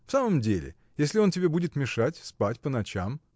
В самом деле, если он тебе будет мешать спать по ночам.